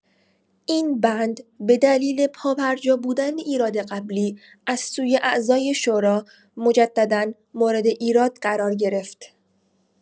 این بند به دلیل پابرجا بودن ایراد قبلی از سوی اعضای شورا مجددا مورد ایراد قرار گرفت.